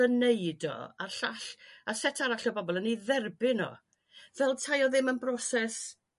yn neud o ar llall... A set arall o bobl yn i dderbyn o fel 'tai o ddim yn broses